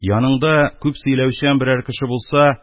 Яныңда күп сөйләүчән бер кеше булса,